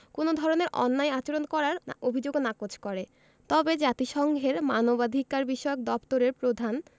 কোনো ধরনের অন্যায় আচরণ করার অভিযোগও নাকচ করে তবে জাতিসংঘের মানবাধিকারবিষয়ক দপ্তরের প্রধান